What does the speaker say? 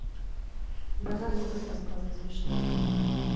давай анекдот рассказывай смешной